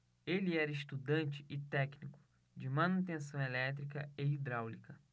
ele era estudante e técnico de manutenção elétrica e hidráulica